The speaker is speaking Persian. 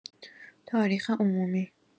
تاریخ عمومی